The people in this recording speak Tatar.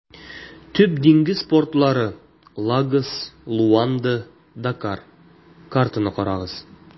Төп диңгез портлары - Лагос, Луанда, Дакар (картаны карагыз).